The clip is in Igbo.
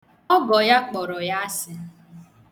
Ọgọ ya kpọrọ ya asị.